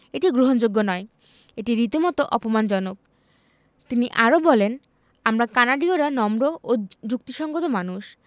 এটি গ্রহণযোগ্য নয় এটি রীতিমতো অপমানজনক তিনি আরও বলেন আমরা কানাডীয়রা নম্র ও যুক্তিসংগত মানুষ